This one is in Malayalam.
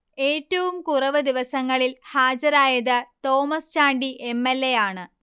ഏറ്റവും കുറവ് ദിവസങ്ങളിൽ ഹാജരായത് Thomas Chandy M. L. A. യാണ്